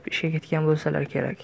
ishga ketgan bo'lsalar kerak